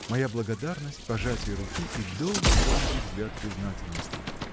Моя благодарность — пожатие руки и долгий, долгий взгляд признательности!